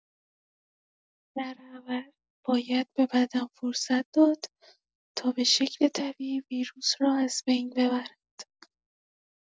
در عوض باید به بدن فرصت داد تا به شکل طبیعی ویروس را از بین ببرد.